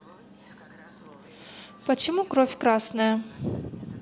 почему кровь красная